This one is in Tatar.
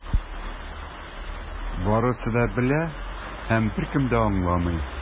Барысы да белә - һәм беркем дә аңламый.